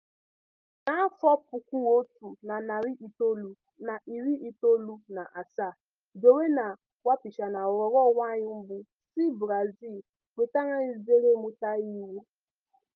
N'afọ 1997, Joenia Wapichana ghọrọ nwaanyị mbụ si Brazil nwetara nzere mmụta iwu.